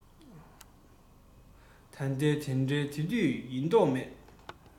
ད ལྟའི དེ འདྲ དེ དུས ཡིན མདོག མེད